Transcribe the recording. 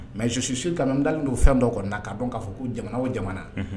Mɛ zosu ka dalen don fɛn dɔw kɔnɔ na k'a dɔn k'a fɔ ko jamana o jamana